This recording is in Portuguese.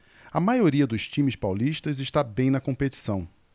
a maioria dos times paulistas está bem na competição